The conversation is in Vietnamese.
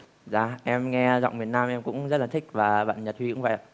dạ em nghe giọng miền nam em cũng rất là thích và bạn nhật huy cũng vậy ạ